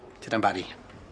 Tydan Bari?